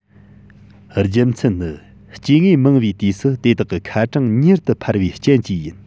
རྒྱུ མཚན ནི སྐྱེ དངོས མང བའི དུས སུ དེ དག གི ཁ གྲངས མྱུར དུ འཕར བའི རྐྱེན གྱིས ཡིན